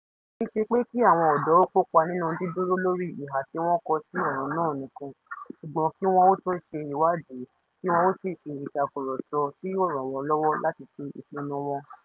Kìí se pé kí àwọn ọ̀dọ́ ó kópa nípa dídúró lórí ìhà tí wọ́n kọ sí ọ̀ràn náà nìkan, ṣùgbọ́n kí wọn ó tún ṣe ìwádìí kí wọn ó sì ṣe ìtàkurọ̀sọ̀ tí yóò ràn wọ́n lọ́wọ́ láti ṣe ìpinnu wọn.